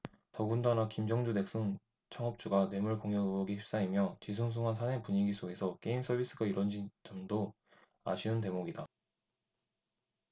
더군다나 김정주 넥슨 창업주가 뇌물 공여 의혹에 휩싸이며 뒤숭숭한 사내 분위기 속에서 게임 서비스가 이뤄진 점도 아쉬운 대목이다